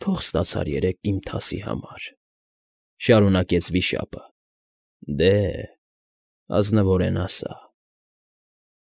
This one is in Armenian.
Փող ստացար երեկ իմ թասի համար,֊ շարունակեց վիշապը։֊ Դե ազնվորեն ասա։